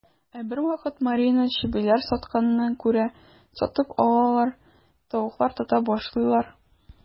Ә бервакыт Марина чебиләр сатканны күрә, сатып алалар, тавыклар тота башлыйлар.